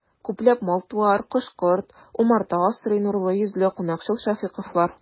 Күпләп мал-туар, кош-корт, умарта асрый нурлы йөзле, кунакчыл шәфыйковлар.